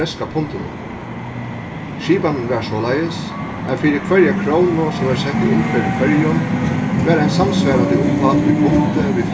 bretska pundinum skipanin var soleiðis at fyri hvørja krónu sum varð sett í umferð í føroyum varð ein samsvarandi upphædd í pundi við